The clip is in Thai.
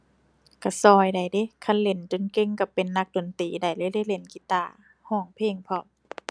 ก็ก็ได้เดะ คันเล่นจนเก่งก็เป็นนักดนตรีได้เลยเดะ เล่นกีตาร์ ก็เพลงพร้อม